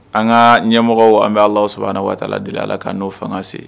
An ka ɲɛmɔgɔ an bɛ' allahu subahaanahu wa taala deeli aliah ka n'o fanga se.